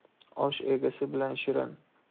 osh egasi bilan shirin